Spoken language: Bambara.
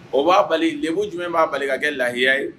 O b'a bali le jumɛn b'a bali ka kɛ lahiya ye